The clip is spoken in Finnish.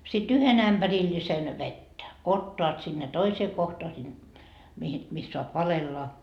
sitten yhden ämpärillisen vettä ottavat sinne toiseen kohtaan sinne mihin missä saa valella